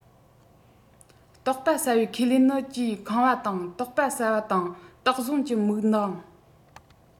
དོགས པ ཟ བའི ཁས ལེན ནི གྱིས ཁེངས པ དང དོགས པ ཟ དང དོགས ཟོན གྱི མིག མདངས